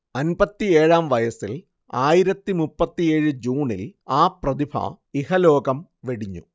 അൻപത്തിയേഴാം വയസ്സിൽ ആയിരത്തി മുപ്പത്തിയേഴ് ജൂണിൽ ആ പ്രതിഭ ഇഹലോകം വെടിഞ്ഞു